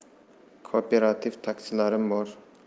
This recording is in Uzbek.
kooperativ taksilarim bor